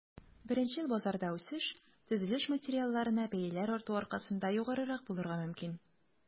Беренчел базарда үсеш төзелеш материалларына бәяләр арту аркасында югарырак булырга мөмкин.